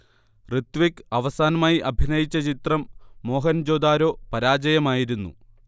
ഋത്വിക്ക് അവസാനമായി അഭിനയിച്ച ചിത്രം മോഹൻ ജൊദാരോ പരാജയമായിരുന്നു